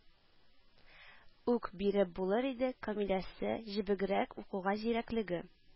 Ук биреп булыр иде, камиләсе җебегрәк, укуга зирәклеге